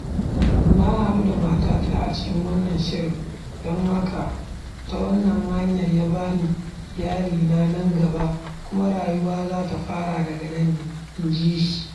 Na haɗu da matata a cikin wannan shirin, don haka ta wannan hanyar ya ba ni iyalina na nan gaba, kuma rayuwa za ta fara daga nan ne,' inji shi.